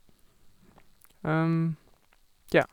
Tja.